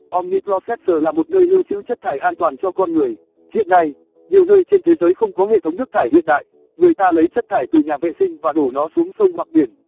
omniprocessor là một nơi lưu trữ chất thải an toàn cho con người hiện nay nhiều nơi trên thế giới không có hệ thống nước thải hiện đại người ta lấy chất thải từ nhà vệ sinh và đổ nó xuống sông hoặc biển